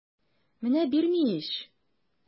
Менә бирми ич!